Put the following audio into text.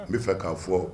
N b'a fɛ k'a fɔ